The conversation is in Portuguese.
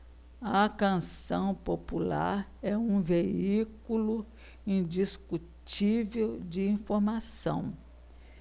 a canção popular é um veículo indiscutível de informação